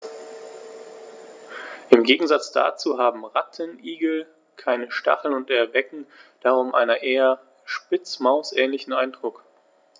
Im Gegensatz dazu haben Rattenigel keine Stacheln und erwecken darum einen eher Spitzmaus-ähnlichen Eindruck.